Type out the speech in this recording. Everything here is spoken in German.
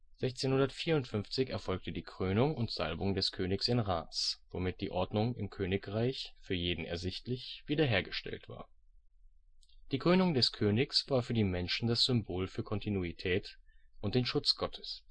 1654 erfolgte die Krönung und Salbung des Königs in Reims, womit die Ordnung im Königreich, für jeden ersichtlich, wiederhergestellt war. Die Krönung des Königs war für die Menschen das Symbol für Kontinuität und den Schutz Gottes